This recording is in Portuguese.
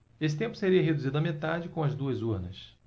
esse tempo seria reduzido à metade com as duas urnas